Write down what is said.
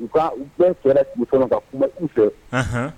U u bɛɛ fɛrɛ tun sɔn ka kuma u fɛ